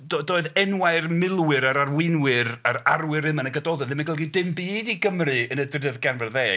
Doedd doedd enwau'r milwyr a'r arweinwyr a'r arwyr yma yn y Gododdin ddim yn golygu dim byd i Gymry yn y drydedd ganrif ar ddeg.